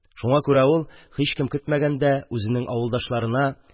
Шуңа күрә ул, һичкем көтмәгәндә, үзенең авылдашларына: